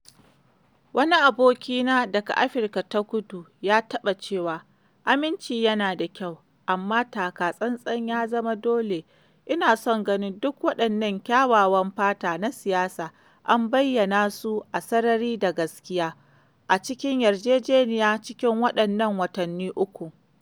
Wani aboki na daga Afirka ta Kudu ya taɓa cewa: “Aminci yana da kyau, amma taka tsantsan ya zama dole!” [..] Ina son ganin duk waɗannan kyawawan fata na siyasa an bayyana su a sarari da gaskiya a cikin yarjejeniyar cikin waɗannan watanni uku!